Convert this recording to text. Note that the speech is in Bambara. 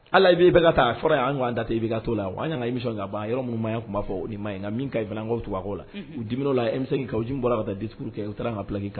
Ala i'i bɛka ka taa a fɔra y' ɲɔgɔnwan ta ten i bɛ ka t' la wa an ka imi sɔn jan ban yɔrɔ minnuummaya tun' fɔ o ni ma ye nka min ka i fanakaw tu a la u dimina' la e bɛ se k ka ji bɔra ka taa dikuruuru kɛ u taara kapi kki kan